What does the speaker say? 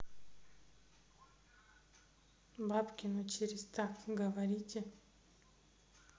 бабкину через так говорите